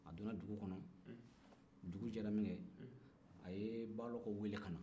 a donna dugu kɔnɔ dugujɛra min kɛ a ye balɔbɔ wele ka na